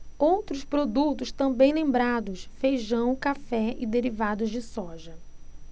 outros produtos também lembrados feijão café e derivados de soja